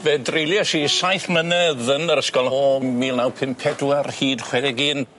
Fe dreuliesh i saith mlynedd yn yr ysgol o mil naw pum pedwar hyd chwe deg un.